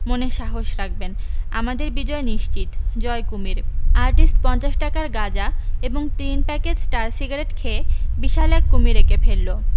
মনে সাহস রাখবেন আমাদের বিজয় নিশ্চিত জয় কুমীর আর্টিস্ট পঞ্চাশ টাকার গাঁজা এবং তিন প্যাকেট স্টার সিগারেট খেয়ে বিশাল এক কুমীর এঁকে ফেলল